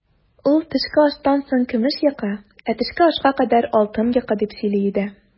Ул, төшке аштан соң көмеш йокы, ә төшке ашка кадәр алтын йокы, дип сөйли иде.